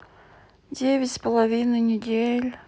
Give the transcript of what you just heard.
девять с половиной недель